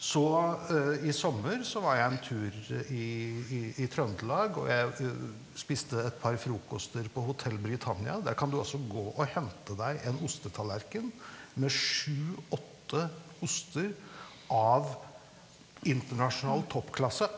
så i sommer så var jeg en tur i i i Trøndelag og jeg spiste et par frokoster på Hotell Britannia, der kan du altså gå og hente deg en ostetallerken med sju åtte oster av internasjonal toppklasse.